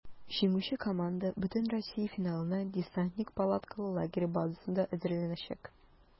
Җиңүче команда бөтенроссия финалына "Десантник" палаткалы лагере базасында әзерләнәчәк.